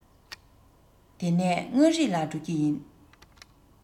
དེ ནས མངའ རིས ལ འགྲོ གི ཡིན